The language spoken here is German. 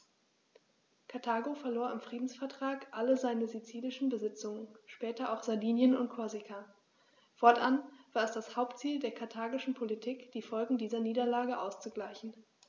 Karthago verlor im Friedensvertrag alle seine sizilischen Besitzungen (später auch Sardinien und Korsika); fortan war es das Hauptziel der karthagischen Politik, die Folgen dieser Niederlage auszugleichen.